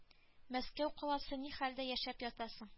Мәскәү каласы ни хәлдә яшәп ята соң